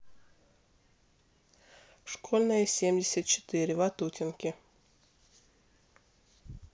школьная семьдесят четыре ватутинки